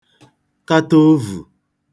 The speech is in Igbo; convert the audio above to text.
kata ovù